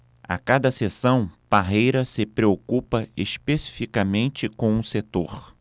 a cada sessão parreira se preocupa especificamente com um setor